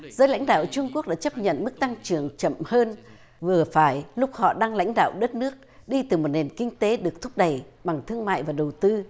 giới lãnh đạo trung quốc đã chấp nhận mức tăng trưởng chậm hơn vừa phải lúc họ đang lãnh đạo đất nước đi từ một nền kinh tế được thúc đẩy bằng thương mại và đầu tư